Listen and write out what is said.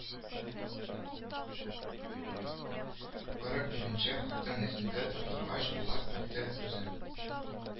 Кырык беренче хатын йөзендә тарттыргач, булат бәктә үзе